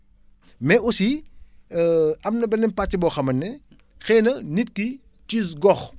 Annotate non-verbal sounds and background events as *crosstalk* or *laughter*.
mais aussi *hesitation* am na benn pàcc boo xama ne xëy na nit ki ci gox